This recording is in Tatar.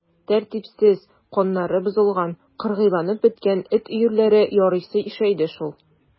Тәртипсез, каннары бозылган, кыргыйланып беткән эт өерләре ярыйсы ишәйде шул.